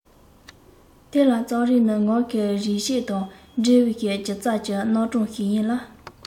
དེ ལ རྩོམ རིག ནི ངག གི རིག བྱེད དང འབྲེལ བའི སྒྱུ རྩལ གྱི རྣམ གྲངས ཤིག ཡིན ལ